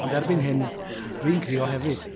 Ond erbyn hyn, dwi'n crïo hefyd.